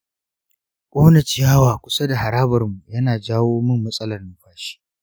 ƙona ciyawa kusa da harabar mu yana jawo min matsalar numfashi.